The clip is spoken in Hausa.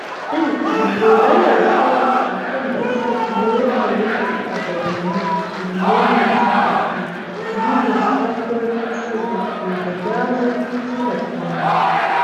Shin da zolayar kai a kan batun na yadda yake a bayyane shirme ne za a ce mu ne sabuwar ƙasar da ke da damar shigo da kaya?